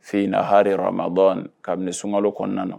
Fɛ inina ha' kabini sunka kɔnɔna na